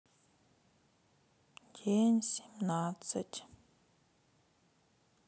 день семнадцать